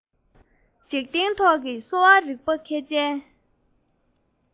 འཇིག རྟེན ཐོག གི གསོ བ རིག པ མཁས ཅན